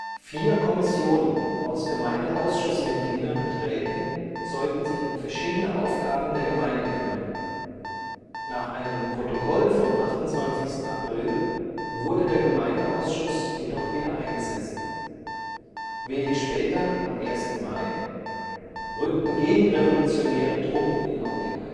Vier Kommissionen aus Gemeindeausschussmitgliedern und Räten sollten sich um verschiedene Aufgaben der Gemeinde kümmern. Nach einem Protokoll vom 28. April wurde der Gemeindeausschuss jedoch wieder eingesetzt. Wenig später, am 1. Mai, rückten gegenrevolutionäre Truppen in Aubing